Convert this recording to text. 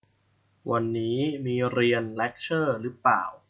วันนี้มีเรียนเลคเชอร์รึป่าว